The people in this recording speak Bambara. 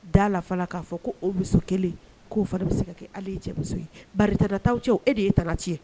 D'a la fana k'a fɔ ko o muso kelen, k'o fana bɛ se ka kɛ hal'i cɛ muso ye bari tana t'aw cɛ. E de ye tana cɛn.